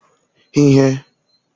ihe